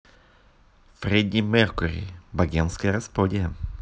freddie mercury богемская рапсодия